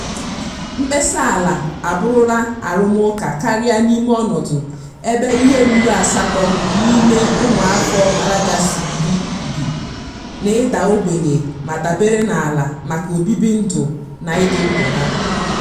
Mkpesa ala abụrụla arụmụka karịa n'ime ọnọdụ ebe ihe ruru asatọ n'ime ụmụafọ Malagasy 10 bi n'ịda ogbenye ma dabere n'ala maka obibindụ na ịdị ndụ ha.